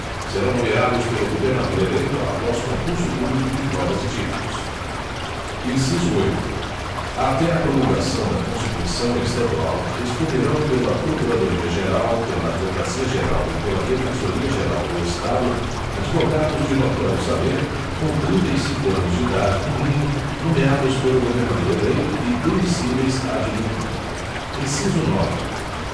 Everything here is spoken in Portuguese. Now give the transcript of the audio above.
serão nomeados pelo governador eleito após concurso público de provas e títulos inciso oito até a promulgação da constituição estadual responderão pela procuradoria geral pela advocacia geral e pela defensoria geral do estado advogados de notório saber com trinta e cinco anos de idade no mínimo nomeados pelo governador eleito e demissíveis ad nutum inciso nove